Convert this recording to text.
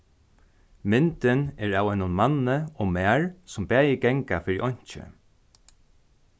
myndin er av einum manni og mær sum bæði ganga fyri einki